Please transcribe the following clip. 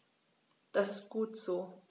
Das ist gut so.